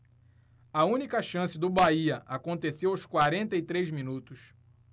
a única chance do bahia aconteceu aos quarenta e três minutos